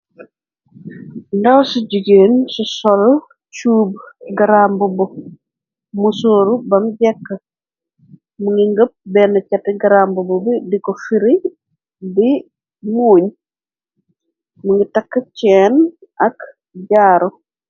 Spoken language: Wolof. Ndaw ca jigeen ca sol chuub garamb bu mu sooru bam jekk mu ngi ngëpp benn chati garamb bu diko firi bi muuñ mu ngi takk cheen ak jaaru.